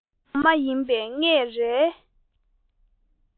བའི འོ མ ཡིན པས ངས རའི